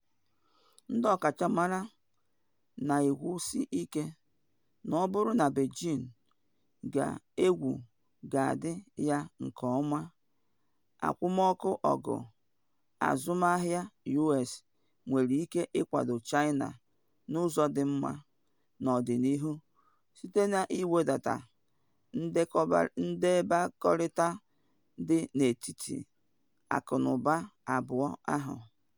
Ndị ọkachamara ka na ekwusi ike na ọ bụrụ na Beijing ga-egwu kaadị ya nke ọma, akwumọkụ ọgụ azụmahịa US nwere ike ịkwado China n’ụzọ dị mma n’ọdịnihu site na iwedata ndabekọrịta dị n’etiti akụnụba abụọ ahụ.